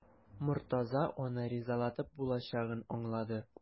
Мортаза аны ризалатып булачагын аңлады.